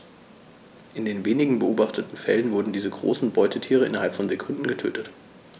In den wenigen beobachteten Fällen wurden diese großen Beutetiere innerhalb von Sekunden getötet.